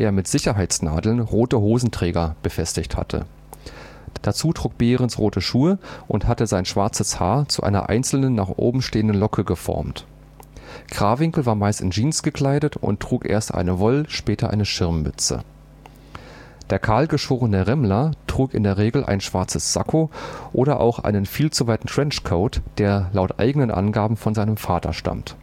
mit Sicherheitsnadeln rote Hosenträger befestigt hatte. Dazu trug Behrens rote Schuhe und hatte sein schwarzes Haar zu einer einzelnen nach oben stehenden Locke geformt. Krawinkel war meist in Jeans gekleidet und trug erst eine Woll -, später eine Schirmmütze. Der kahlgeschorene Remmler trug in der Regel ein schwarzes Sakko oder auch einen viel zu weiten Trenchcoat, der laut eigenen Angaben von seinem Vater stammt